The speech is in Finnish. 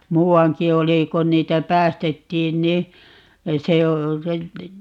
muuankin oli kun niitä päästettiin niin se on